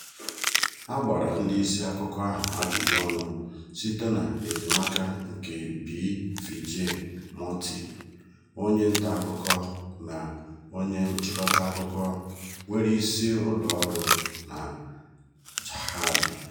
A gbara ndị isi akụkọ ahụ ajụjụ ọnụ site n'enyemaka nke B. Vijay Murty, onye ntaakụkọ na onye nchịkọta akụkọ nwere isi ụlọọrụ na Jharkhand.